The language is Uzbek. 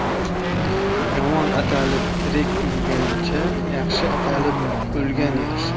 yomon atalib tirik yurguncha yaxshi atalib o'lgan yaxshi